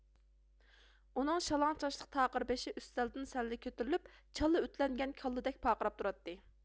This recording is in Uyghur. ئۇنىڭ شالاڭ چاچلىق تاقىر بېشى ئۈستەلدىن سەللا كۆتۈرۈلۈپ چالا ئۈتلەنگەن كاللىدەك پارقىراپ تۇراتتى